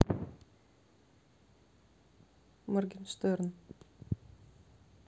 моргенштерн